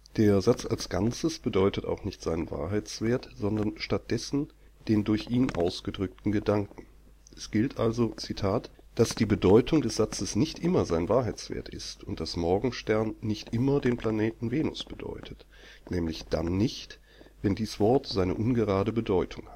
Der Satz als Ganzes bedeutet auch nicht seinen Wahrheitswert, sondern stattdessen den durch ihn ausgedrückten Gedanken. Es gilt also, „ dass die Bedeutung des Satzes nicht immer sein Wahrheitswert ist und dass ‚ Morgenstern ‘nicht immer den Planeten Venus bedeutet, nämlich dann nicht, wenn dies Wort seine ungerade Bedeutung